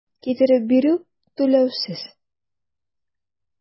Китереп бирү - түләүсез.